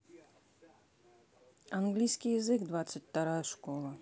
английский язык двадцать вторая школа